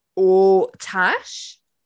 O! Tash?